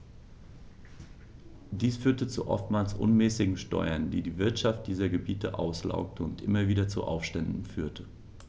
Dies führte zu oftmals unmäßigen Steuern, die die Wirtschaft dieser Gebiete auslaugte und immer wieder zu Aufständen führte.